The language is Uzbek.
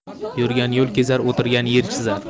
yurgan yo'l kezar o'tirgan yer chizar